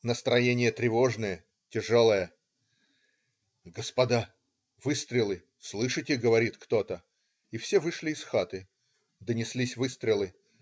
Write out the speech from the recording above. Настроение тревожное, тяжелое. "Господа! выстрелы! слышите!" - говорит кто-то. И все вышли из хаты. Донеслись выстрелы.